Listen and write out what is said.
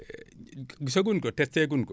gisaguñ ko testé gun ko